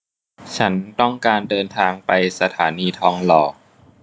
ฉันต้องการเดินทางไปสถานีทองหล่อ